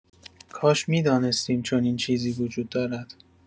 کاش می‌دانستیم چنین چیزی وجود دارد.